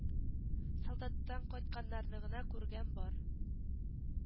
Солдаттан кайтканнарны гына күргән бар